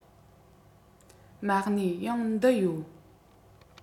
མ གནས ཡང འདི ཡོད